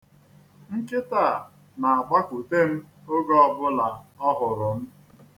Nkịta a na-agbakute m oge ọbụla ọ hụrụ m.